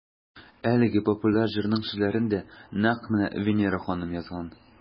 Әлеге популяр җырның сүзләрен дә нәкъ менә Винера ханым язган.